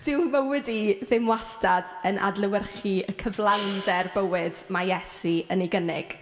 'dyw mywyd i ddim wastad yn adlewyrchu y cyflawnder bywyd ma' Iesu yn ei gynnig.